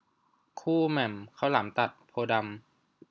คู่แหม่มข้าวหลามตัดโพธิ์ดำ